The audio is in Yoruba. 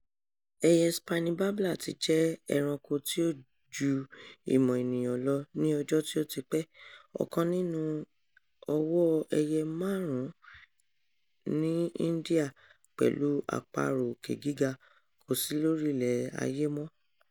Ẹyẹ Spiny Babbler ti jẹ́ ẹranko tí ó ju ìmọ̀ ènìyàn lọ ní ọjọ́ tí ó ti pẹ́, ọ̀kan nínú ọ̀wọ̀ ẹyẹ márùn-ún ní India, pẹ̀lú Àparò Òkè gíga, kò sí lórílẹ̀ ayé mọ́n.